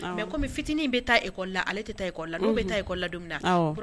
Mɛ kɔmi fitinin bɛ taa ekɔ la ale tɛ taa ekɔ la n' bɛ taa ekɔ ladon na